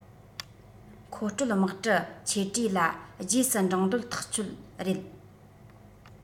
མཁོ སྤྲོད དམག གྲུ ཆེ གྲས ལ རྗེས སུ འབྲངས འདོད ཐག ཆོད རེད